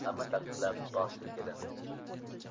hamma tasdiqlab bosh silkidi